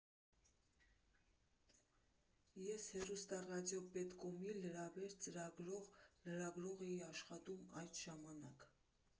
Ես Հեռուստառադիոպետկոմի «Լրաբեր» ծրագրում լրագրող էի աշխատում այդ ժամանակ։